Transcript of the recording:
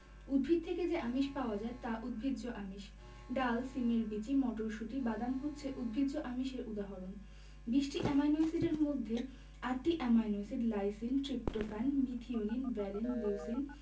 উদ্ভিদ থেকে যে আমিষ পাওয়া যায় তা উদ্ভিজ্জ আমিষ ডাল শিমের বিচি মটরশুঁটি বাদাম হচ্ছে উদ্ভিজ্জ আমিষের উদাহরণ ২০টি অ্যামাইনো এসিডের মধ্যে ৮টি amino acid lysine tryptophan methionine valine leucine